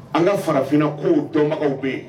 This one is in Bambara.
An ka farafinna kow tɔbagaw bɛ yen